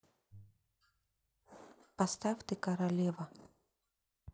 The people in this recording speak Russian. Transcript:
поставь ты королева